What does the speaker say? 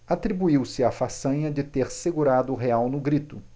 atribuiu-se a façanha de ter segurado o real no grito